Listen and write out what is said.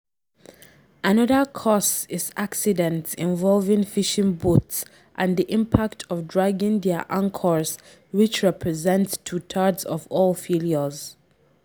Another cause is accidents involving fishing boats and the impact of dragging their anchors, which represents two-thirds of all failures.